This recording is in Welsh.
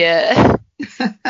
Ie.